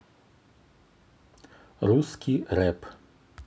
русский рэп